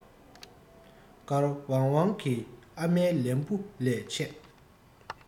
དཀར བང བང གི ཨ མའི ལན བུ ལས ཆད